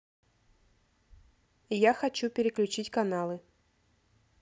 я хочу переключить каналы